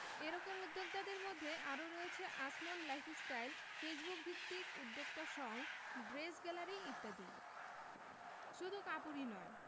এ রকম উদ্যোক্তাদের মধ্যে আরও রয়েছে আসমোর লাইফস্টাইল ফেসবুকভিত্তিক উদ্যোক্তা সঙ ড্রেস গ্যালারি ইত্যাদি শুধু কাপড়ই নয়